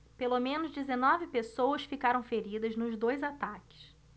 pelo menos dezenove pessoas ficaram feridas nos dois ataques